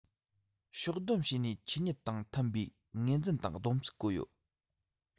ཕྱོགས བསྡོམས བྱས ནས ཆོས ཉིད དང མཐུན པའི ངོས འཛིན དང བསྡོམས ཚིག བཀོད ཡོད